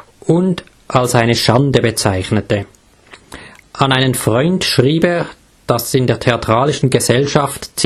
und als eine „ Schande “bezeichnete. An einen Freund schrieb er, dass in der Theatralischen Gesellschaft